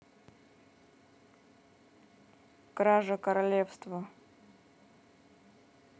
кража королевство